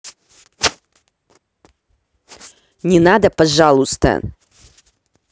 не надо пожалуйста